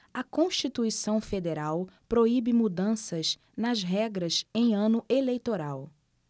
a constituição federal proíbe mudanças nas regras em ano eleitoral